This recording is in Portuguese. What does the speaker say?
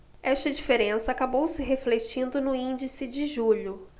esta diferença acabou se refletindo no índice de julho